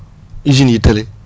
usines yi tële